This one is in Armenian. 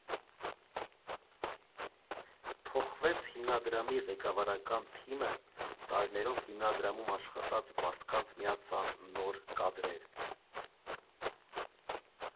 Փոխվեց հիմնադրամի ղեկավարական թիմը, տարիներով հիմնադրամում աշխատած մարդկանց միացան նոր կադրեր։